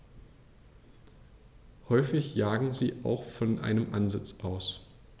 Häufig jagen sie auch von einem Ansitz aus.